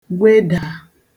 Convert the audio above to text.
gwedà